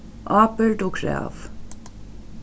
ábyrgd og krav